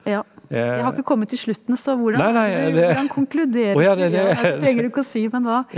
ja jeg har ikke kommet til slutten så hvordan er det du hvordan konkluderer du det trenger du ikke si, men hva?